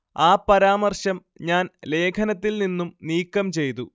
ആ പരാമർശം ഞാൻ ലേഖനത്തിൽ നിന്നും നീക്കം ചെയ്തു